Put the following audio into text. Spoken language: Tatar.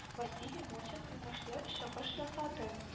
Василий Мосин уңышлы чыгыш ясады